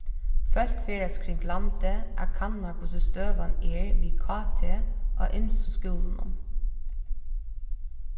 fólk ferðast kring landið at kanna hvussu støðan er við kt á ymsu skúlunum